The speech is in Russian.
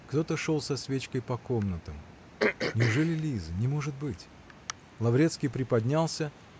Кто-то шел со свечкой по комнатам. "Неужели Лиза? Не может быть!. " Лаврецкий приподнялся.